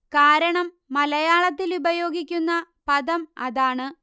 കാരണം മലയാളത്തിൽ ഉപയോഗിക്കുന്ന പദം അതാണ്